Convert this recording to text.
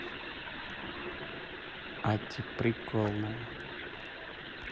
а ты прикольная